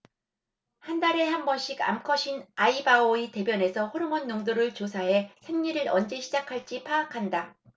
한 달에 한 번씩 암컷인 아이바오의 대변에서 호르몬 농도를 조사해 생리를 언제 시작할지 파악한다